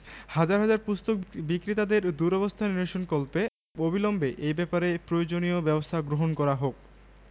হাজার হাজার পুস্তক বিক্রেতাদের দুরবস্থা নিরসনকল্পে অবিলম্বে এই ব্যাপারে প্রয়োজনীয় ব্যাবস্থা গ্রহণ করা হোক